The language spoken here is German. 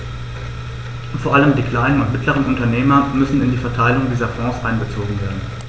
Vor allem die kleinen und mittleren Unternehmer müssen in die Verteilung dieser Fonds einbezogen werden.